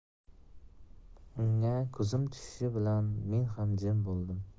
unga ko'zim tushishi bilan men ham jim bo'ldim